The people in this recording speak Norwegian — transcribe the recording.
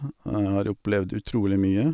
Og jeg har opplevd utrolig mye.